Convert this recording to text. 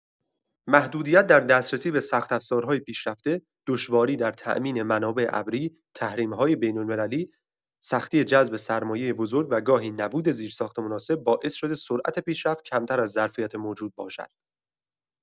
محدودیت در دسترسی به سخت‌افزارهای پیشرفته، دشواری در تامین منابع ابری، تحریم‌های بین‌المللی، سختی جذب سرمایه بزرگ و گاهی نبود زیرساخت مناسب باعث شده سرعت پیشرفت کمتر از ظرفیت موجود باشد.